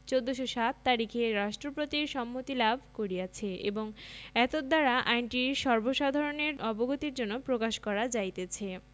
১৪০৭ তারিখে রাষ্ট্রপতির সম্মতি লাভ করিয়অছে এবং এতদ্বারা আইনটি সর্বসাধারণের অবগতির জন্য প্রকাশ করা যাইতেছে